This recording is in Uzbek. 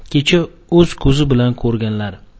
kecha o'z ko'zi bilan ko'rganlari